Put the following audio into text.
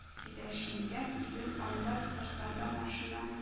Сөйләшенгән, июнь аенда татарстанда машина